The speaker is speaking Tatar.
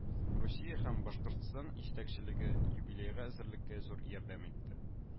Русия һәм Башкортстан җитәкчелеге юбилейга әзерлеккә зур ярдәм итте